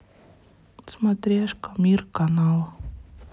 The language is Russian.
смотрешка мир канал